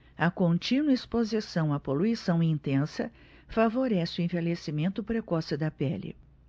a contínua exposição à poluição intensa favorece o envelhecimento precoce da pele